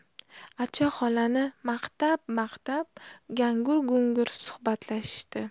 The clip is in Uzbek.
acha xolani maqtab maqtab gangur gungur suhbatlashishdi